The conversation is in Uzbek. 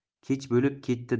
kech bo'lib ketdi